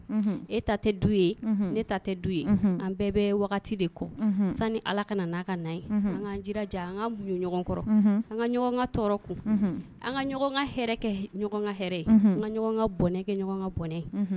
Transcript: E ta tɛ du ye ne ta tɛ du ye an bɛɛ bɛ wagati de kɔ sani ni ala ka n'a ka' ye an kaja an ka ɲɔgɔn kɔrɔ an ka ɲɔgɔnka tɔɔrɔ kun an ka ɲɔgɔn ɲɔgɔnkaɛ an ka ɲɔgɔn ka bɔnɛ kɛ ɲɔgɔn ka bɔnɛ